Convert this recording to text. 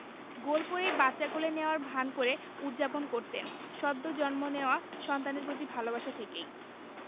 গোল করেই বাচ্চা কোলে নেওয়ার ভান করে উদ্ যাপন করতেন সদ্য জন্ম নেওয়া সন্তানের প্রতি ভালোবাসা থেকেই